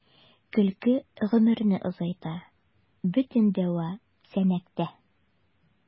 Көлке гомерне озайта — бөтен дәва “Сәнәк”тә.